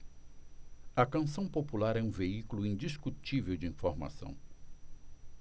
a canção popular é um veículo indiscutível de informação